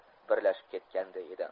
birlashib ketganday edi